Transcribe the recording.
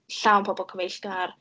Llawn pobol cyfeillgar.